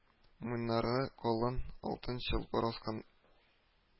Муеннарына калын алтын чылбыр аскан